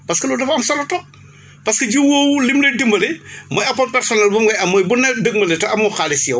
parce que loolu dafa am solo trop parce que jiw woowu li mu lay dimbalee mooy accord personnel moom ngay am mooy bu nawet dëgmalee te amoo xaalis yow